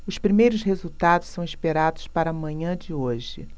os primeiros resultados são esperados para a manhã de hoje